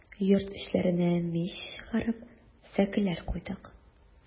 Йорт эчләренә мич чыгарып, сәкеләр куйдык.